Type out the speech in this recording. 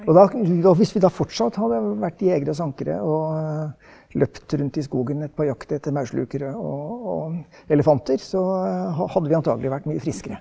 og da hvis vi da fortsatt hadde vært jegere og sankere og løpt rundt i skogen på jakt etter maurslukere og og elefanter så hadde vi antagelig vært mye friskere.